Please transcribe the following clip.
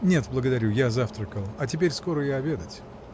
— Нет, благодарю, я завтракал, а теперь скоро и обедать.